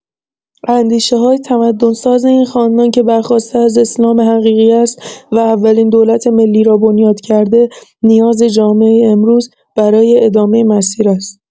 اندیشه‌های تمدن‌ساز این خاندان که برخواسته از اسلام حقیقی است و اولین دولت ملی را بنیاد کرده، نیاز جامعه امروز، برای ادامه مسیر است.